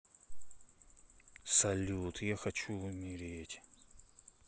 салют я хочу умереть